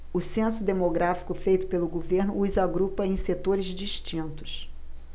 o censo demográfico feito pelo governo os agrupa em setores distintos